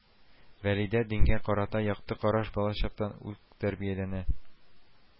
Вәлидә дингә карата якты караш балачактан ук тәрбияләнә